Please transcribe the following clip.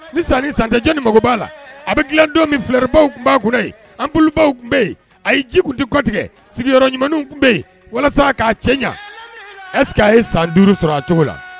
Ni san ni san tɛ jɔn de mako b'a la a dilan don min fleur tun b'a kunna in ampoule tun bɛ yen, ayi ji tun tɛ kɔtigɛ sigiyɔrɔ ɲumanw tun bɛ yen walasa k'a cɛɲɛ est-ce que a ye san duuru sɔrɔ a cogo la?